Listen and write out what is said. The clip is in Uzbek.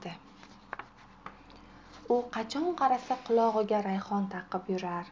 u qachon qarasa qulog'iga rayhon taqib yurar